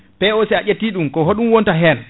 P o si a ƴetti ɗum ko oɗum wonta hen